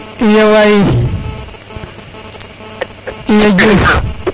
iyo waay iyo Diouf